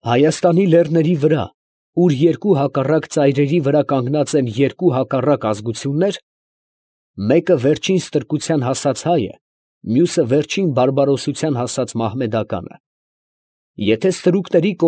Հայաստանի լեռների վրա, ուր երկու հակառակ ծայրերի վրա կանգնած են երկու հակառակ ազգություններ, ֊ մեկը՝ վերջին ստրկության հասած հայը, մյուսը՝ վերջին բարբարոսության հասած մահմեդականը, ֊ եթե ստրուկների։